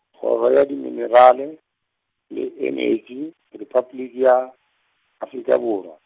kgoro ya Diminerale, le Enetši, Repabliki ya, Afrika Borwa.